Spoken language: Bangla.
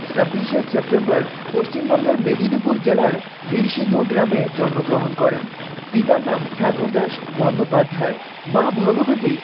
২৬ শে সেপ্টেম্বর পশ্চিমবঙ্গের মেদিনীপুর জেলার বীরসিংহ গ্রামে জন্মগ্রহণ করেন পিতার নাম ঠাকুরদাস বন্দ্যোপাধ্যায় মা ভগবতী